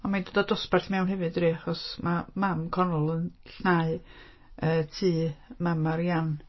Ond mae hi'n dod â dosbarth mewn hefyd dydy achos mae mam Connell yn llnau tŷ mam Marianne.